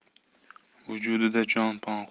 vujudida jon pon